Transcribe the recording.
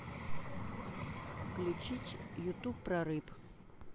включить ютуб про рыб